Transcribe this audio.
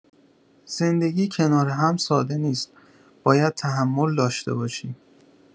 زندگی کنار هم ساده نیست، باید تحمل داشته باشی.